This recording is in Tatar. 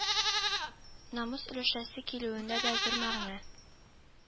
НАМУС өләшәсе килүенә дә зур мәгънә